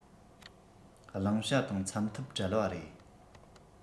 བླང བྱ དང འཚམ ཐབས བྲལ བ རེད